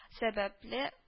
Сәбәпле